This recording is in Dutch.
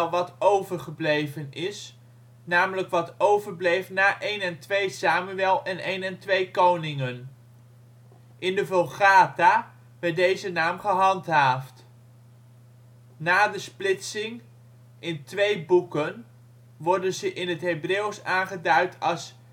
wat over gebleven is ", namelijk wat overbleef na 1 en 2 Samuël en 1 en 2 Koningen. In de Vulgata werd deze naam gehandhaafd. Na de splitsing in 2 boeken worden ze in het Hebreeuws aangeduid als